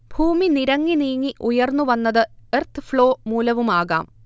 ഭൂമി നിരങ്ങി നീങ്ങി ഉയർന്നുവന്നത് എർത്ത്ഫ്ളോ മൂലവുമാകാം